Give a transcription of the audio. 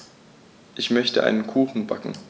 Ich möchte einen Kuchen backen.